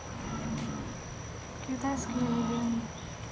китайские легенды